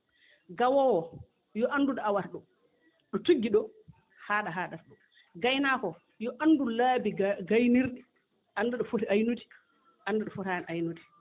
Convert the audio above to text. gawoowo oo yo anndu ɗo awata ɗoo ɗo tuggi ɗoo haa ɗo haaɗata gaynaako oo yo anndu laabi ngaynirɗi annda ɗo foti aynude annda ɗo fotaani aynude